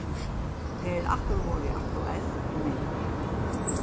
tað er aftur vorðið aktuelt nú